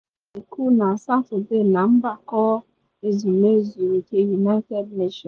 Ri nọ na ekwu na Satọde na Mgbakọ Ezumezu nke United Nations.